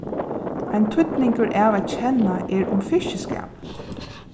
ein týdningur av at kenna er um fiskiskap